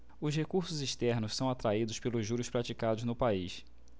os recursos externos são atraídos pelos juros praticados no país